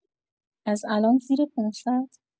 از الان زیر ۵۰۰؟